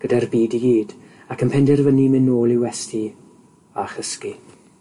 gyda'r byd i gyd ac yn penderfynu mynd nôl i'w westy a chysgu.